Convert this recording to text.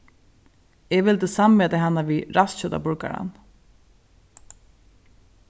eg vildi sammeta hana við ræstkjøtaburgaran